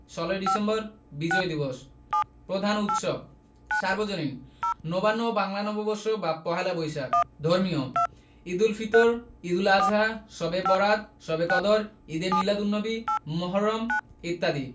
১৬ই ডিসেম্বর বিজয় দিবস প্রধান উৎসবঃ সর্বজনীন নবান্ন ও বাংলা নববর্ষ বা পহেলা বৈশাখ ধর্মীয় ঈদুল ফিত্ র ঈদুল আযহা শবে বরআত শবে কদর ঈদে মীলাদুননবী মুহররম ইত্যাদি